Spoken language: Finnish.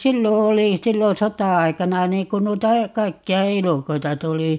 silloin oli silloin sota-aikana niin kun noita kaikkia elukoita tuli